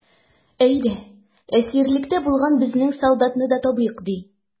Әйдә, әсирлектә булган безнең солдатны да табыйк, ди.